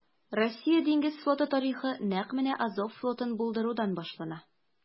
Россия диңгез флоты тарихы нәкъ менә Азов флотын булдырудан башлана.